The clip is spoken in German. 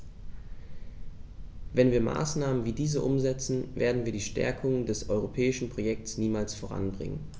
Wenn wir Maßnahmen wie diese umsetzen, werden wir die Stärkung des europäischen Projekts niemals voranbringen.